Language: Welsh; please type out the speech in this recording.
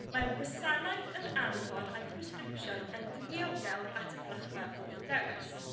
Mae'r gwasanaeth yn anfon eich presgripsiwn yn di- ddiogel at y fferyllfa o'ch dewis.